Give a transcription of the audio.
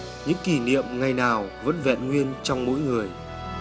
những kỷ niệm ngày nào vẫn vẹn nguyên trong mỗi người